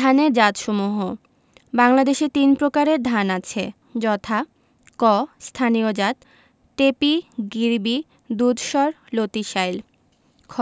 ধানের জাতসমূহ বাংলাদেশে তিন প্রকারের ধান আছে যথাঃ ক স্থানীয় জাতঃ টেপি গিরবি দুধসর লতিশাইল খ